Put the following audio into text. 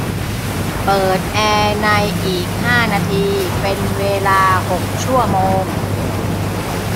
เปิดแอร์ในอีกห้านาทีเป็นเวลาหกชั่วโมง